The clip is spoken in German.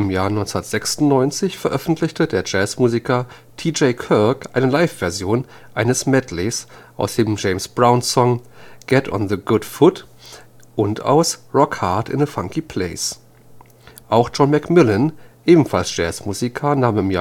Jahr 1996 veröffentlichte der Jazzmusiker T. J. Kirk eine Liveversion eines Medleys aus dem James Brown-Song Get on the Good Foot und aus Rockhard in a Funky Place. Auch Jim McMillen, ebenfalls Jazzmusiker, nahm